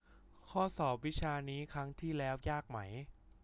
ข้อสอบวิชานี้ครั้งที่แล้วยากไหม